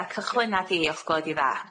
Ia cychwynna di os gweli di dda.